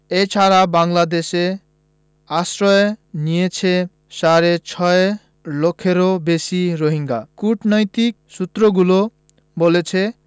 এ ছাড়া বাংলাদেশে আশ্রয় নিয়েছে সাড়ে ছয় লাখেরও বেশি রোহিঙ্গা কূটনৈতিক সূত্রগুলো বলছে